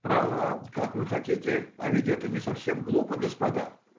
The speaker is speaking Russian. — Право, как вы хотите, а ведь это не совсем глупо, господа?